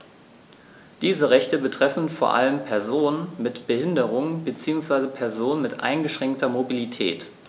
Diese Rechte betreffen vor allem Personen mit Behinderung beziehungsweise Personen mit eingeschränkter Mobilität.